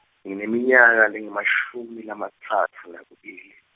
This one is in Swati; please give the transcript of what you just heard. ngineminyaka lengemashumi lamatsatfu nakubili.